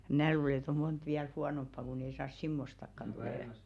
minä luulen että on monta vielä huonompaa kun ei saa semmoistakaan tulemaan